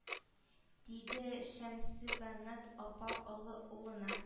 Диде шәмсебанат апа олы улына